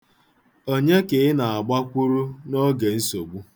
Onye ka ị na-agbakwuru n'oge nsogbu?